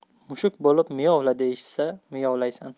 mushuk bo'lib miyovla deyishsa miyovlaysan